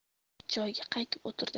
joyiga qaytib o'tirdi